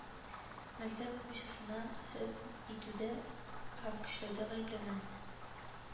Мәктәп укучысына һөм итүдә һәм көчләүдә гаепләнә